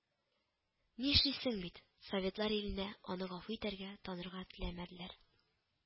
Нишлисең бит, советлар илендә аны гафу итәргә, танырга теләмәделәр